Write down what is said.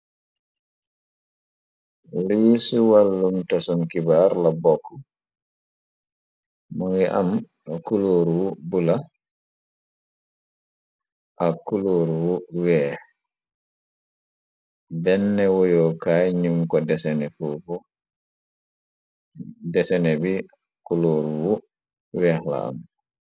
Riic wàllum tosum kibaar la bokk mo ngi am kulóor wu bu la ak kulóor wu weex benn woyokaay ñum ko desene bi kulóor wu weex la am.